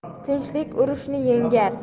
tinchlik urushni yengar